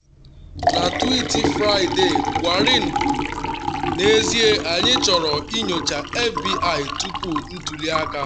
Na tweet Fraịde Warren kwuru ”n’ezie anyị chọrọ nyocha FBI tupu ntuli aka.”